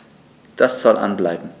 Das soll an bleiben.